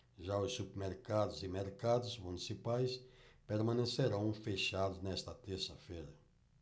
já os supermercados e mercados municipais permanecerão fechados nesta terça-feira